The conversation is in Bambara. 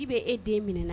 I bɛ e den minɛ